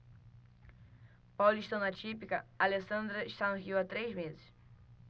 paulistana típica alessandra está no rio há três meses